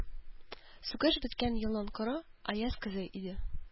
Сугыш беткән елның коры, аяз көзе иде.